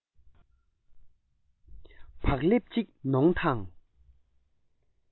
བག ལེབ ཅིག གནོངས དང